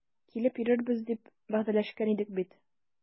Килеп йөрербез дип вәгъдәләшкән идек бит.